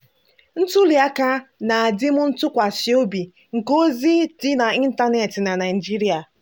Ntụliaka na adịmntụkwasịobi nke ozi dị n'ịntaneetị na Naịjirịa